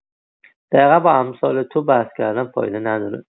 دقیقا با امثال تو بحث کردن فایده نداره.